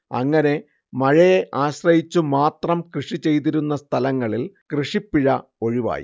അങ്ങനെ മഴയെ ആശ്രയിച്ചു മാത്രം കൃഷി ചെയ്തിരുന്ന സ്ഥലങ്ങളിൽ കൃഷിപ്പിഴ ഒഴിവായി